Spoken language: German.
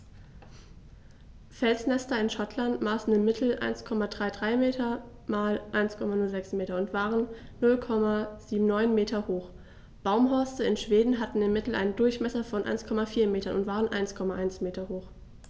Felsnester in Schottland maßen im Mittel 1,33 m x 1,06 m und waren 0,79 m hoch, Baumhorste in Schweden hatten im Mittel einen Durchmesser von 1,4 m und waren 1,1 m hoch.